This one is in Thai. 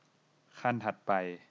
ขั้นถัดไป